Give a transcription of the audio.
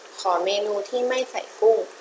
ขอเมนูที่ไม่ใส่กุ้ง